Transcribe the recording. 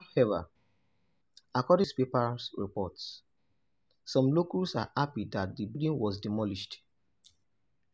However, according to newspaper reports, some locals are happy that the building was demolished.